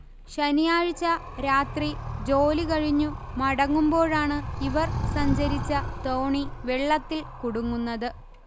ശനിയാഴ്ച രാത്രി ജോലി കഴിഞ്ഞു മടങ്ങുമ്പോഴാണ് ഇവർ സഞ്ചരിച്ച തോണി വെള്ളത്തിൽ കുടുങ്ങുന്നത്